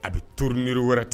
A bɛ to ni wɛrɛ tan